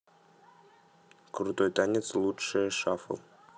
крутой танец лучшее шафл